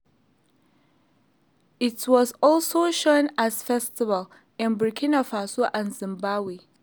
It was also shown at festivals in Burkina Faso and Zimbabwe.